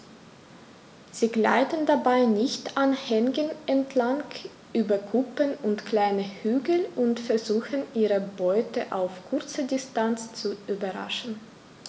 Sie gleiten dabei dicht an Hängen entlang, über Kuppen und kleine Hügel und versuchen ihre Beute auf kurze Distanz zu überraschen.